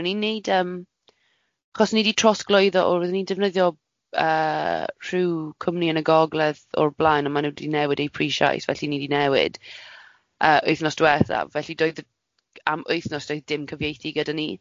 o'n i'n wneud yym achos o'n i di trosglwyddo o roeddwn i'n defnyddio yy rhyw cwmni yn y gogledd o'r blaen a maen nhw wedi newid eu prisiais, felly o'n i wedi newid yy wythnos diwetha, felly doedd yy am wythnos doedd dim cyfieithu gyda ni.